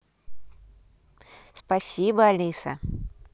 спасибо алиса